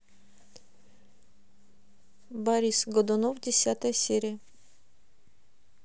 борис годунов десятая серия